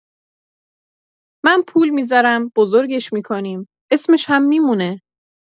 من پول می‌ذارم، بزرگش می‌کنیم، اسمش هم می‌مونه.